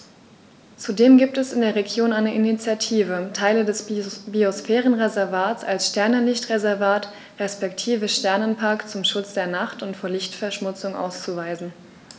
Zudem gibt es in der Region eine Initiative, Teile des Biosphärenreservats als Sternenlicht-Reservat respektive Sternenpark zum Schutz der Nacht und vor Lichtverschmutzung auszuweisen.